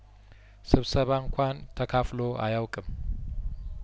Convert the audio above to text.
ስብሰባ እንኳን ተካፍሎ አያውቅም